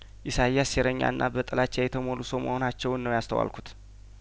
ኢሳያስ ሴረኛና በጥላቻ የተሞሉ ሰው መሆናቸውን ነው ያስተዋልኩት